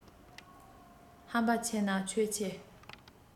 ཧམ པ ཆེ ན ཁྱོད ཆེ